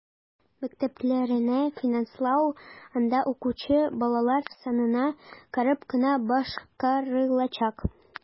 Мәктәпләрне финанслау анда укучы балалар санына карап кына башкарылачак.